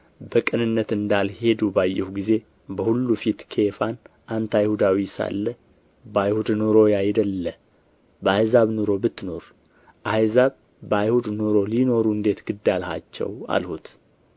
በቅንነት እንዳልሄዱ ባየሁ ጊዜ በሁሉ ፊት ኬፋን አንተ አይሁዳዊ ሳለህ በአይሁድ ኑሮ ያይደለ በአሕዛብ ኑሮ ብትኖር አሕዛብ በአይሁድ ኑሮ ሊኖሩ እንዴት ግድ አልሃቸው አልሁት